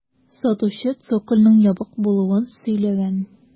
Сатучы цокольның ябык булуын сөйләгән.